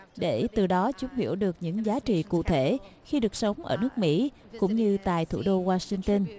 để từ đó chúng hiểu được những giá trị cụ thể khi được sống ở nước mỹ cũng như tại thủ đô goa sinh tơn